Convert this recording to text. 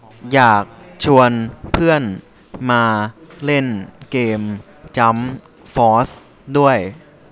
อยากชวนเพื่อนมาเล่นเกมจั๊มฟอสด้วย